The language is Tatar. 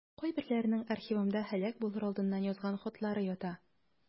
Кайберләренең архивымда һәлак булыр алдыннан язган хатлары ята.